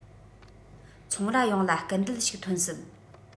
ཚོང རྭ ཡོངས ལ སྐུལ འདེད ཞིག ཐོན སྲིད